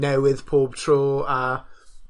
newydd pob tro, a